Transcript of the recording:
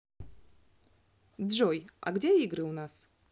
джой а где игры у нас